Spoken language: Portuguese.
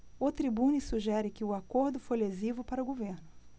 o tribune sugere que o acordo foi lesivo para o governo